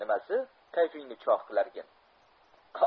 nimasi kayfingni chog' qilarkin